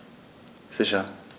Sicher.